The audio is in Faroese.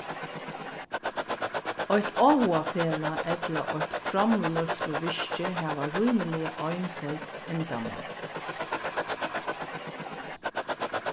eitt áhugafelag ella eitt framleiðsluvirki hava rímiliga einføld endamál